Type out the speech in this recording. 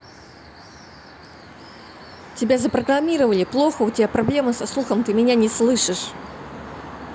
тебя запрограммировали плохо у тебя проблема со слухом ты меня не слышишь